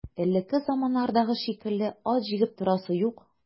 Элекке заманнардагы шикелле ат җигеп торасы юк.